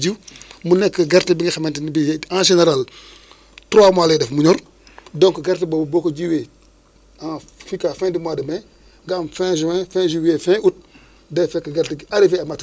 mën nañ ne wax ni fii ba le le le le dix fii ba le kii quoi le dix août bi dañu nekk dans une phase humide principalement diggante tey suba ak ginnaaw suba